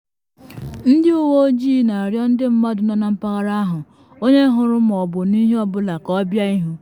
Ndị uwe ojii na arịọ ndị mmadụ nọ na mpaghara ahụ onye hụrụ ma ọ bụ nụ ihe ọ bụla ka ọ bịa ihu.